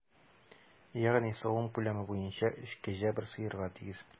Ягъни савым күләме буенча өч кәҗә бер сыерга тигез.